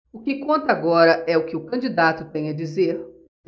o que conta agora é o que o candidato tem a dizer